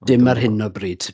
Dim ar hyn o bryd.